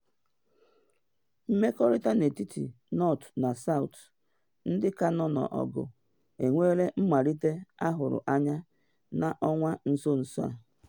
Mmekọrịta n’etiti North na South - ndị ka nọ n’ọgụ - enwela mmelite ahụrụ anya n’ọnwa nso nso a.